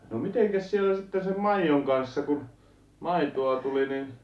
no mitenkäs siellä sitten sen maidon kanssa kun maitoa tuli niin